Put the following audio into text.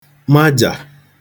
majà